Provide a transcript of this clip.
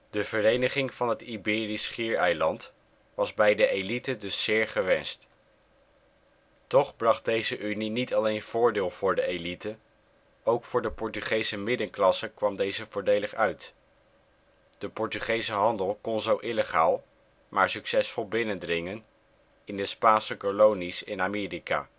De vereniging van het Iberisch schiereiland was bij de elite dus zeer gewenst. Toch bracht deze unie niet alleen voordeel voor de elite, ook voor de Portugese middenklasse kwam deze voordelig uit. De Portugese handel kon zo illegaal, maar succesvol binnendringen in de Spaanse kolonies in Amerika